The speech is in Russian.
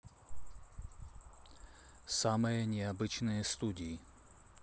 самые необычные студии